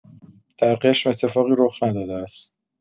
در قشم اتفاقی رخ نداده است.